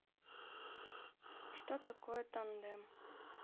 что такое тандем